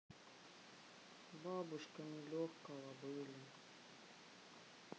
бабушка нелегкого были